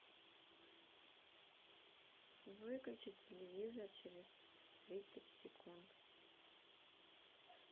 выключить телевизор через тридцать секунд